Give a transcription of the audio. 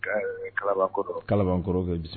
Kalaba kɔrɔ bɛ dusu